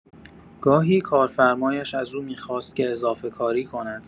گاهی کارفرمایش از او می‌خواست که اضافه‌کاری کند.